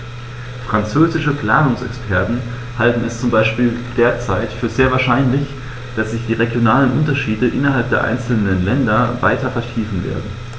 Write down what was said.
Französische Planungsexperten halten es zum Beispiel derzeit für sehr wahrscheinlich, dass sich die regionalen Unterschiede innerhalb der einzelnen Länder weiter vertiefen werden.